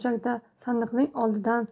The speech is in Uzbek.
burchakda sandiqning oldidan